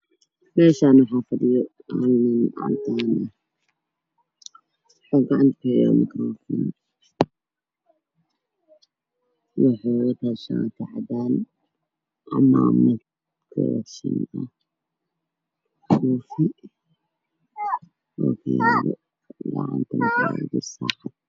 Meeshaan waxaa fadhiyo nin oo gacanta ku wada makrofoon wuxuu wataa sharcidana madow ah iyo macaluus jaalal ah